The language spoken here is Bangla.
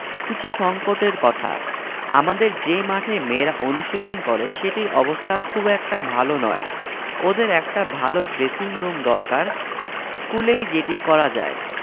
কিছু সংকটের কথা আমাদের যে মাঠে মেয়েরা অনুশীলন করে সেটির অবস্থা খুব একটা ভালো নয় ওদের একটা ভালো ড্রেসিংরুম দরকার স্কুলেই যেটি করা যায়